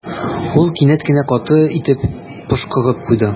Ул кинәт кенә каты итеп пошкырып куйды.